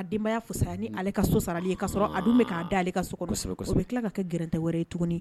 A denbayaya fisasa ni ale ka so sarali ka sɔrɔ a dun bɛ ka' da ale ka sodasɛbɛsɛbɛ tila ka kɛ g gɛlɛntɛ wɛrɛ ye tuguni